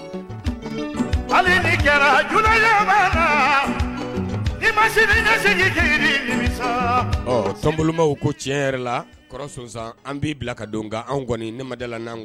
Kɛra j ni ma t ko tiɲɛ la sonsan an b'i bila ka don anw kɔni ne ma da n'